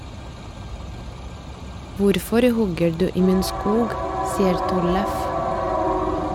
"Hvorfor hogger du i min skog?" sier Tollef.